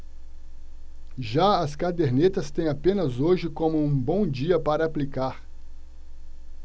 já as cadernetas têm apenas hoje como um bom dia para aplicar